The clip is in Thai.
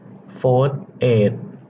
โฟธเอด